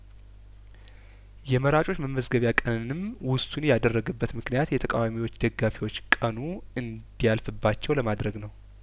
የመራጮች መመዝገቢያ ቀንንም ውሱን ያደረገበት ምክንያት የተቃዋሚዎች ደጋፊዎች ቀኑ እንዲያልፍባቸው ለማድረግ ነው